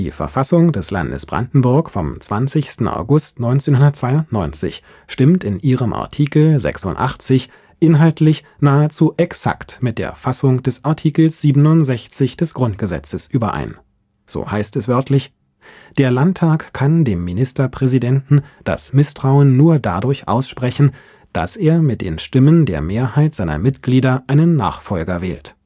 Verfassung des Landes Brandenburg vom 20. August 1992 stimmt in ihrem Artikel 86 inhaltlich nahezu exakt mit der Fassung des Artikels 67 des Grundgesetzes überein: Der Landtag kann dem Ministerpräsidenten das Misstrauen nur dadurch aussprechen, dass er mit den Stimmen der Mehrheit seiner Mitglieder einen Nachfolger wählt